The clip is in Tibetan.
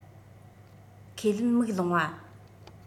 ཁས ལེན མིག ལོང བ